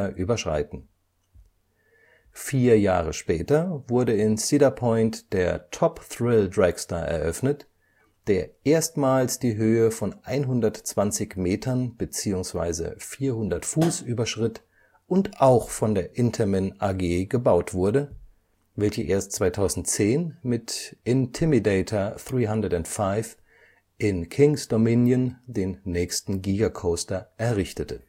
überschreiten. Vier Jahre später wurde in Cedar Point der Top Thrill Dragster eröffnet, der erstmals die Höhe von 120 Metern (400 Fuß) überschritt und auch von der Intamin AG gebaut wurde, welche erst 2010 mit Intimidator 305 in Kings Dominion den nächsten Giga Coaster errichtete